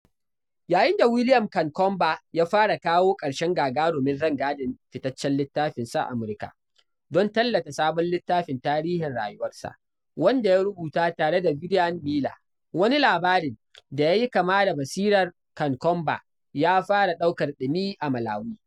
Yayin da William Kamkwamba ya fara kawo ƙarshen gagarumin rangadin fitaccen littafin sa a Amurka, don tallata sabon littafin tarihin rayuwarsa, wanda ya rubuta tare da Bryan Mealer, wani labarin da yayi kama da basirar Kamkwamba ya fara ɗaukar ɗimi a Malawi.